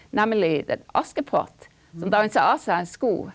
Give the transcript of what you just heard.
nemlig det Askepott som danser av seg en sko.